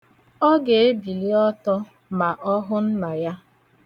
Ọ ga-ebili ọtọ ma ọ hụ nna ya.